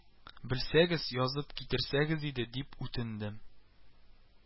Белсәгез, язып китерсәгез иде , дип үтендем